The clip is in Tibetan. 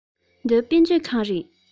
འདི དཔེ མཛོད ཁང རེད